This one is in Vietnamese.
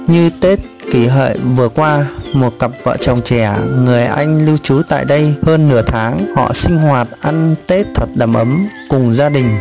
như tết kỷ hợi vừa qua một cặp vợ chồng trẻ người anh lưu trú tại đây hơn nửa tháng họ sinh hoạt ăn tết thật đầm ấm cùng gia đình